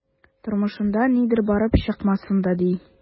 Тормышында нидер барып чыкмасын да, ди...